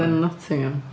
Yn Nottingham.